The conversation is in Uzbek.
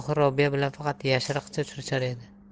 tohir robiya bilan faqat yashiriqcha uchrashar edi